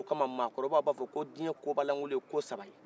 o kama mɔgɔ kɔrɔbaw b'a fo ko diɲɛ kobalankolo ye ko saba ye